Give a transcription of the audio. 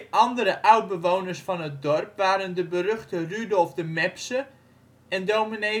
andere oud-bewoners van het dorp waren de beruchte Rudolf de Mepsche en dominee